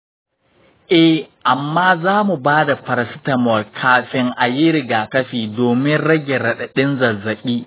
eh, amma za mu ba da paracetamol kafin a yi rigakafi domin rage haɗarin zazzaɓi.